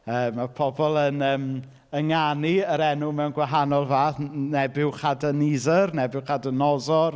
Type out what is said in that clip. Yy, mae pobl yn yym, ynganu yr enw mewn gwahanol fath, n- n- "Nebiwchadynisyr", "Nebiwchadynosor".